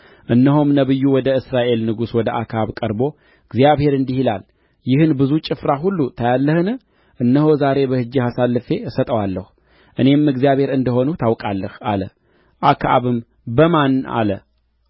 እነሆም ነቢይ ወደ እስራኤል ንጉሥ ወደ አክዓብ ቀርቦ እግዚአብሔር እንዲህ ይላል ይህን ብዙ ጭፍራ ሁሉ ታያለህን እነሆ ዛሬ በእጅህ አሳልፌ እሰጠዋለሁ እኔም እግዚአብሔር እንደ ሆንሁ ታውቃለህ አለ አክዓብም በማን አለ